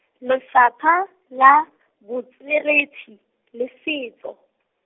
Lefapha la, Botsweretshi, le Setso.